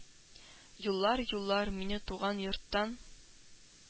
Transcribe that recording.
Юллар, юллар! Мине, туган йорттан